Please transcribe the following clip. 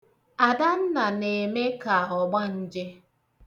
Adanna na-eme ka ọgbanje.